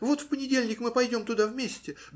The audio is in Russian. Вот в понедельник мы пойдем туда вместе.